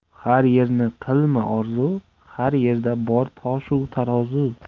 har yerni qilma orzu har yerda bor tosh u tarozi